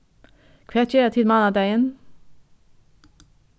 hvat gera tit mánadagin